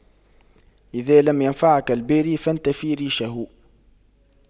إذا لم ينفعك البازي فانتف ريشه